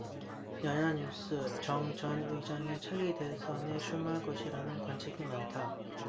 연합뉴스 정 전 의장이 차기 대선에 출마할 것이라는 관측이 많다